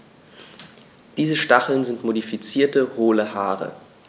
Diese Stacheln sind modifizierte, hohle Haare.